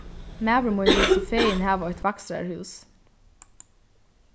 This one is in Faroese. maður mín vil so fegin hava eitt vakstrarhús